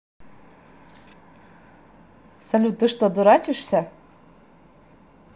салют ты что дурачишься